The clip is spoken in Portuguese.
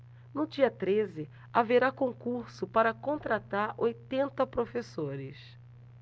no dia treze haverá concurso para contratar oitenta professores